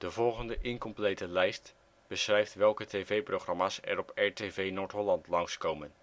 volgende incomplete lijst beschrijft welke TV programma 's er op RTV Noord-Holland langskomen